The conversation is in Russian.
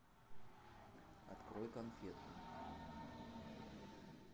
открой конфетку